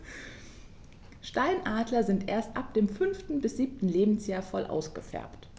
Steinadler sind erst ab dem 5. bis 7. Lebensjahr voll ausgefärbt.